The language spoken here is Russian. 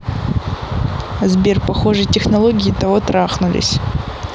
сбер похожий технологии того трахнулись